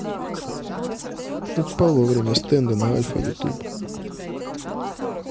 упал во время стенда на альфа youtube